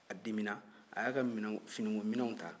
a dimina a y'a ka finiko minɛnw ta